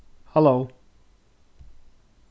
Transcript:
halló